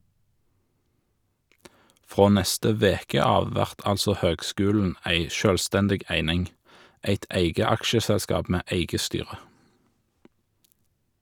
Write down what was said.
Frå neste veke av vert altså høgskulen ei sjølvstendig eining, eit eige aksjeselskap med eige styre.